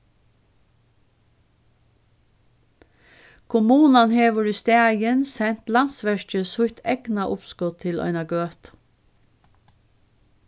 kommunan hevur í staðin sent landsverki sítt egna uppskot til eina gøtu